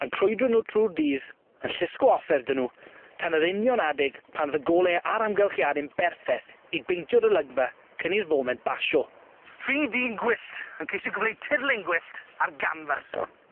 yn crwydro nw trw'r dydd, yn llusgo offer 'dy nw tan yr union adeg pan o'dd y gole a'r amgylchiade'n berffeth i beintio'r olygfa cyn i'r foment basio. Tri dyn gwyllt yn ceisio gyfleu tirlun gwyllt ar ganfas.